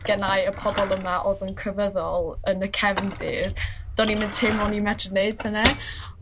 gennai y pobol yma odd yn crefyddol yn y cefndir, do'n i'm yn teimlo o'n i medru neud hynny.